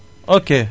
okey